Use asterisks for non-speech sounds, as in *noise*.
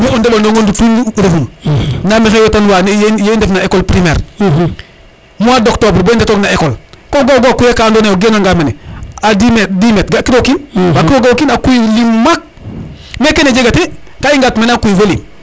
mi o ndeɓanonga ndutuñ refum nda maxey wetan wa ye i ndefna école primaire mois d' octobre bo i ndeto gina école ko ga ogu a koya ka ando naye o geen wanga mene a dix metre ga kiro o kiin *unintelligible* mais kene jegate ka i nga a t meke a kuy fo lim